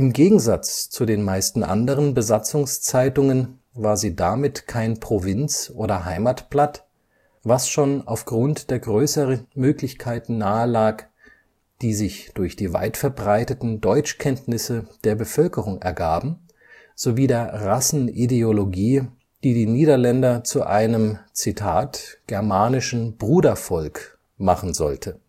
Gegensatz zu den meisten anderen Besatzungszeitungen war sie damit kein Provinz - oder Heimatblatt, was schon aufgrund der größeren Möglichkeiten nahe lag, die sich durch die weit verbreiteten Deutschkenntnisse der Bevölkerung ergaben sowie der Rassenideologie, die die Niederländer zu einem „ germanischen Brudervolk “machen sollte